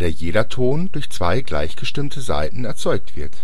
jeder Ton durch zwei gleich gestimmte Saiten erzeugt wird